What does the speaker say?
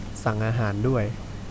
สั่งอาหารด้วย